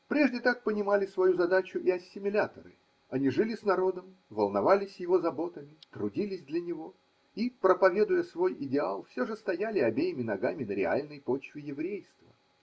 Прежде так понимали свою задачу и ассимиляторы: они жили с народом, волновались его заботами, трудились для него и, проповедуя свой идеал, все же стояли обеими ногами на реальной почве еврейства.